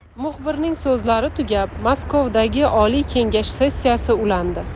muxbirning so'zlari tugab maskovdagi oliy kengash sessiyasi ulandi